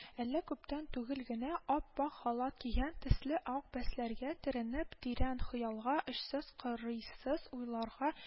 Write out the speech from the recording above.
Әле күптән түгел генә ап-ак халат кигән төсле ак бәсләргә төренеп, тирән хыялга, очсыз-кырыйсыз уйларга